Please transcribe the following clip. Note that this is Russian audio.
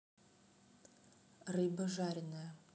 рыба жаренная